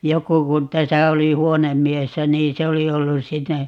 joku kun tässä oli huonemiehenä niin se oli ollut sitten